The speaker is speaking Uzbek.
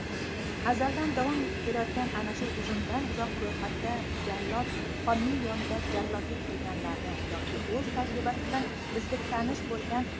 va azaldan davom etib kelayotgan ana shu uzundan uzoq ro'yxatda jallod xonning yonida jallodlik qilganlarni yoki o'z tajribasi bilan bizga tanish bo'lgan